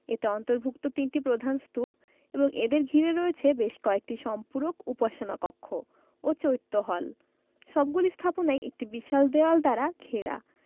এতে অন্তর্ভুক্ত তিনটি প্রধান স্তূপ এবং এদের ঘিরে রয়েছে বেশ কয়েকটি সম্পূরক উপাসনা কক্ষ ও চৈত্য হল সবগুলি স্থাপনাই একটি বিশাল দেওয়াল দ্বারা ঘেরা